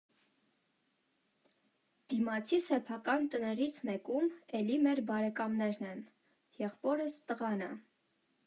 Դիմացի սեփական տներից մեկում էլի մեր բարեկամներն են, եղբորս տղան ա։